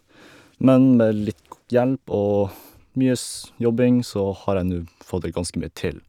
Men med litt go hjelp og mye s jobbing så har jeg nå fått det ganske mye til.